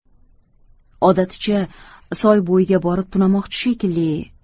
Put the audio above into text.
odaticha soy bo'yiga borib tunamoqchi shekilli